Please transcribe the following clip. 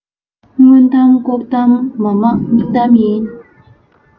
མངོན གཏམ ལྐོག གཏམ མ མང སྙིང གཏམ ཡིན